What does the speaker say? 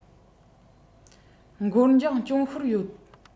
འགོར འགྱངས སྐྱོན ཤོར ཡོད